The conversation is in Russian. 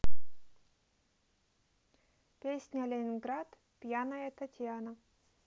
песня ленинград пьяная татьяна